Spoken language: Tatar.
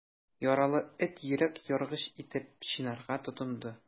Яралы эт йөрәк яргыч итеп чинарга тотынды.